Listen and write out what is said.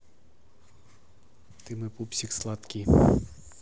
ты мой пупсик самый сладкий